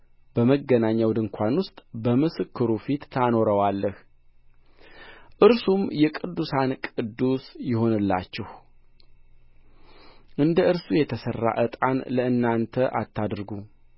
በመገናኛው ድንኳን ውስጥ በምስክሩ ፊት ታኖረዋለህ እርሱም የቅዱሳን ቅዱስ ይሁንላችሁ እንደ እርሱ የተሠራ ዕጣን ለእናንተ አታድርጉ